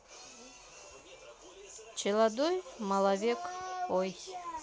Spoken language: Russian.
челодой маловек ой